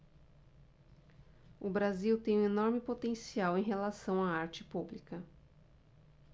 o brasil tem um enorme potencial em relação à arte pública